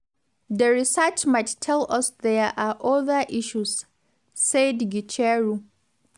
… The research might tell us there are other issues,” said Gicheru.